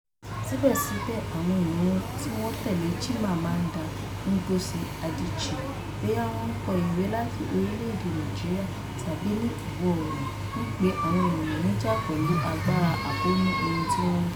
Síbẹ̀síbẹ̀, àwọn ìran tí wọ́n tẹ́lẹ̀ Chimamanda Ngozi Adichie, bóyá wọ́n ń kọ ìwé láti Orílẹ̀-èdè Nigeria tàbí ní Ìwọ̀ Oòrùn, ń pe àwọn ènìyàn níjà pẹ̀lú agbára àkóónú ohun tí wọ́n ń kọ.